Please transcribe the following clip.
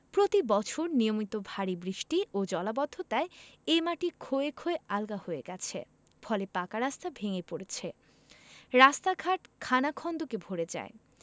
প্রতিবছর নিয়মিত ভারি বৃষ্টি ও জলাবদ্ধতায় এই মাটি ক্ষয়ে ক্ষয়ে আলগা হয়ে গেছে ফলে পাকা রাস্তা ভেঙ্গে পড়ছে রাস্তাঘাট খানাখন্দকে ভরে যায়